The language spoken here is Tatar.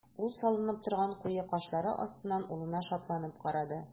Ул салынып торган куе кашлары астыннан улына шатланып карады.